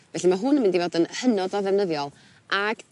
felly ma' hwn yn mynd i fod yn hynod o ddefnyddiol ag